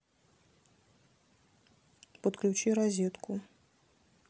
подключи розетку